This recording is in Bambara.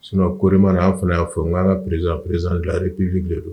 S koɔrima y'a fana y'a fɔ n ko'an ka perezan perezre ppilen don